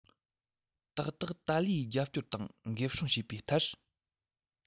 ཏག ཏག ཏཱ ལའི ཡིས རྒྱབ སྐྱོར དང འགེབས སྲུང བྱས པའི མཐར